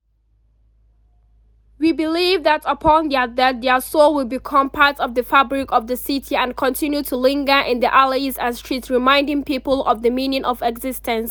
We believe that upon their death, their souls will become part of the fabric of the city and continue to linger in the alleys and streets, reminding people of the meaning of existence.